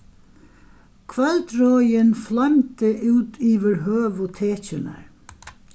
kvøldroðin floymdi út yvir høgu tekjurnar